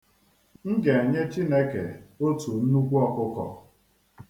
M ga-enye Chineke otu nnukwu ọkụkọ.